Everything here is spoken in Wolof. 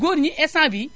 góor ñi instant bii